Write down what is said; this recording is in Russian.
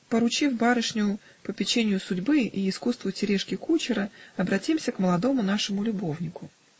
Поручив барышню попечению судьбы и искусству Терешки кучера, обратимся к молодому нашему любовнику.